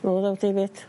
efyd.